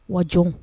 Waj